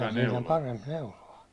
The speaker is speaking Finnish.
siinä oli parempi neuloa